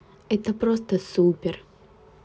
это просто супер